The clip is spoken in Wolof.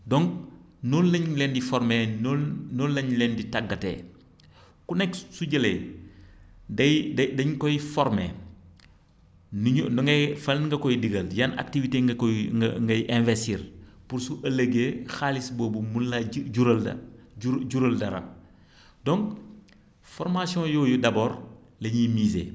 donc noonu la ñu leen di formé noonu la ñu leen di tàggatee ku nekk su jëlee day da dañu koy formé ni ñu ni ngay fan nga koy digal yan activités nga koy nga ngay ngay investir pour su ëllëgee xaalis boobu mën laa ju jural dara jur jural dara donc foramtion yooyu d' abord la ñuy miser